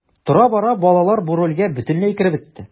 Тора-бара балалар бу рольгә бөтенләй кереп бетте.